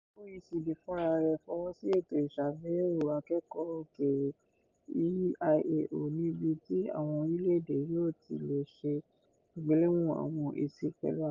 OECD fúnra rẹ̀ fọwọ́ sí Ètò Ìṣàgbéyẹ̀wò Akẹ́kọ̀ọ́ Òkèèrè (EIAO) níbi tí àwọn orílẹ̀-èdè yóò ti lè ṣe ìgbéwọ̀n àwọn èsì pẹ̀lú ara wọn.